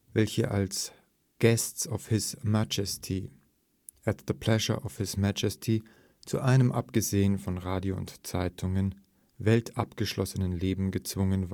welche als guests of His Majesty, at the pleasure of His Majesty zu einem, abgesehen von Radio und Zeitungen, weltabgeschlossenen Leben gezwungen